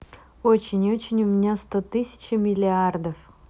очень очень у меня сто тысяча миллиардов